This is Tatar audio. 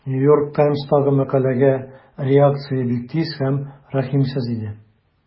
New York Times'тагы мәкаләгә реакция бик тиз һәм рәхимсез иде.